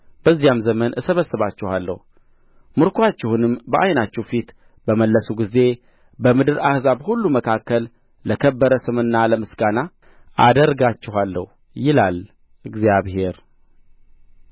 በዚያም ዘመን እሰበስባችኋለሁ ምርኮአችሁንም በዓይናችሁ ፊት በመለስሁ ጊዜ በምድር አሕዛብ ሁሉ መካከል ለከበረ ስምና ለምስጋና አደርጋችኋለሁ ይላል እግዚአብሔር